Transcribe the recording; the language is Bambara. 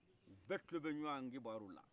ubɛ kulobɛ ɲon kibarula